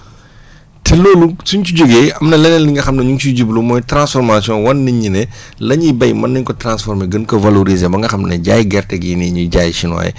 te loolu suñ ci jógee am na leneen li nga xam ne ñu ngi ciy jublu mooy transformation wan nit ñi ne la ñuy béy mën nañ ko transformé gën ko valoriser ba nga xam ne jaay gerte gii nii ñuy jaay chinois yi